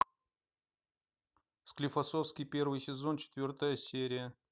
склифосовский первый сезон четвертая серия